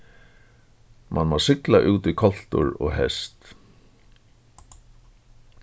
mann má sigla út í koltur og hest